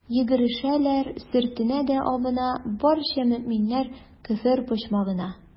Йөгерешәләр, сөртенә дә абына, барча мөэминнәр «Көфер почмагы»на.